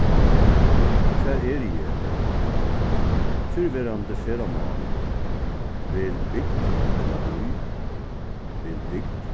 hvar eri eg fyrrverandi ferðamál vel bygd ella bý vel bygd